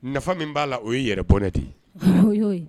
Nafa min b'a la o ye yɛrɛpɛ de ye